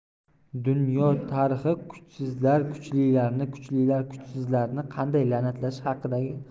dunyo tarixi kuchsizlar kuchlilarni kuchlilar kuchsizlarni qanday la'natlashi haqida hikoya